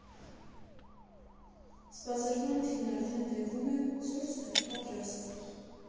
Սպասարկման թիմն արդեն տեղում է, սուրճն էլ՝ պատրաստ։